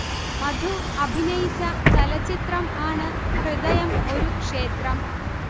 മധു അഭിനയിച്ച ചലച്ചിത്രം ആണ് ഹൃദയം ഒരു ക്ഷേത്രം